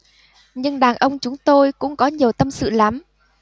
nhưng đàn ông chúng tôi cũng có nhiều tâm sự lắm